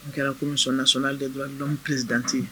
N kɛra ko na sɔn de dɔn pdte